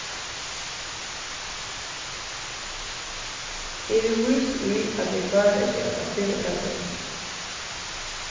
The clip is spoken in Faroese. eg eri vís í at eg klári at gera tað fyrr ella seinni